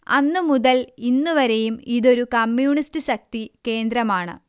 അന്നു മുതൽ ഇന്നു വരെയും ഇതൊരു കമ്മ്യൂണിസ്റ്റ് ശക്തി കേന്ദ്രമാണ്